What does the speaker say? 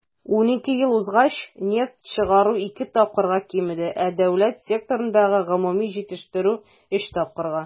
12 ел узгач нефть чыгару ике тапкырга кимеде, ә дәүләт секторындагы гомуми җитештерү - өч тапкырга.